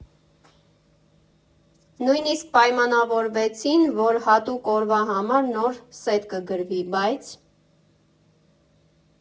Նույնիսկ պայմանավորվեցին, որ հատուկ օրվա համար նոր սեթ կգրվի, բայց…